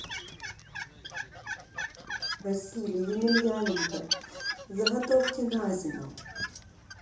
василий емельяненко заготовки на зиму